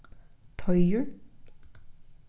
teigur